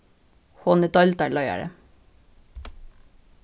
hon er deildarleiðari